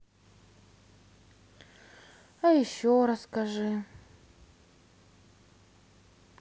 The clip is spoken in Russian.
а еще расскажи